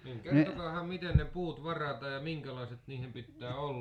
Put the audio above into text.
niin kertokaahan miten ne puut varataan ja minkälaiset niihin pitää olla ja